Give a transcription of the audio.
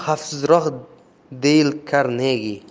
xavfsizroq deyl karnegi